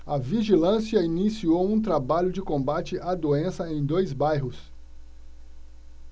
a vigilância iniciou um trabalho de combate à doença em dois bairros